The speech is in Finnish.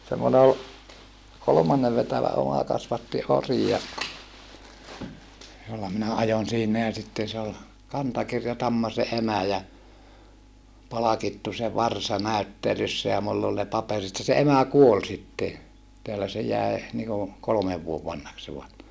semmoinen oli kolmannen vetävä oma kasvatti ori ja jolla minä ajoin siinä ja sitten se oli kantakirjatamma se emä ja palkittu se varsa näyttelyssä ja minulla oli ne paperit ja se emä kuoli sitten ja täällä se jäi niin kuin kolmen vuoden vanhaksi se -